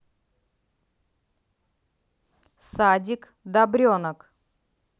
садик добренок